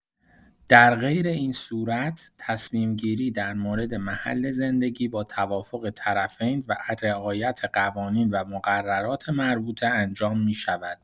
در غیر این‌صورت، تصمیم‌گیری در مورد محل زندگی با توافق طرفین و رعایت قوانین و مقررات مربوطه انجام می‌شود.